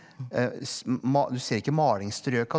du ser ikke malingsstrøka.